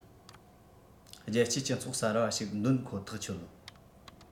རྒྱལ སྤྱིའི སྤྱི ཚོགས གསར པ ཞིག འདོན ཁོ ཐག ཆོད